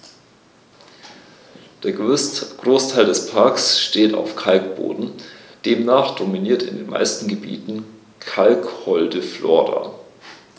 Ein Großteil des Parks steht auf Kalkboden, demnach dominiert in den meisten Gebieten kalkholde Flora.